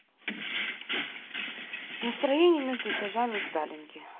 настроение между этажами и сталинки